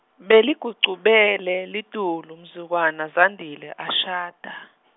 Beligucubele litulu mzukwana Zandile ashada .